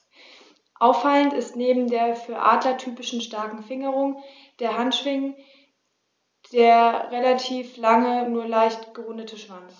Auffallend ist neben der für Adler typischen starken Fingerung der Handschwingen der relativ lange, nur leicht gerundete Schwanz.